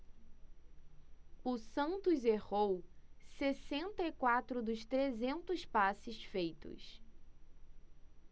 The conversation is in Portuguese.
o santos errou sessenta e quatro dos trezentos passes feitos